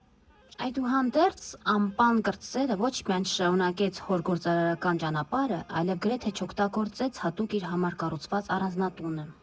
Այդուհանդերձ, Ամպան֊կրտսերը ոչ միայն չշարունակեց հոր գործարարական ճանապարհը, այլև գրեթե չօգտագործեց հատուկ իր համար կառուցված առանձնատունը։